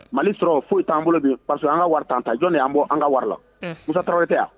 Mali sɔrɔ foyi t'an bolo faso an ka wari tan ta jɔnni y an bɔ an ka warila musata tɛ yan